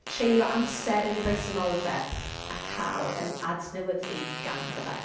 Treulio amser yn ei bersonoldeb a cael ein adnewyddu ganddo fe.